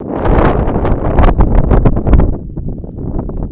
что было дальше братья пономаревы